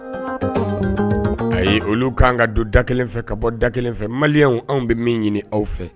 A ye olu k kan ka don da kelen fɛ ka bɔ da kelen fɛ maliya anw bɛ min ɲini aw fɛ